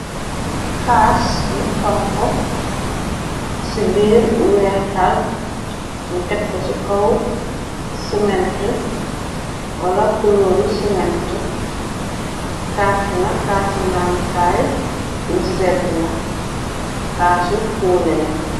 Caas bu honku, ci biir weeh tal nu tekk ko ci kaw siment wala kuloor siment. Caas bi nak caasu nanukaay lu sèdd la. Cassu folè la.